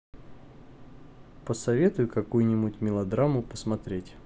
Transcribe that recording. посоветуй какую мелодраму посмотреть